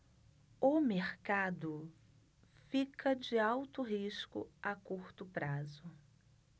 o mercado fica de alto risco a curto prazo